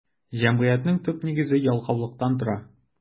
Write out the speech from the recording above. Җәмгыятьнең төп нигезе ялкаулыктан тора.